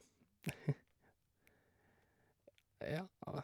Ja.